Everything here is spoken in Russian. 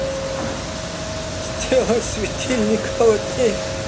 сделай светильник холоднее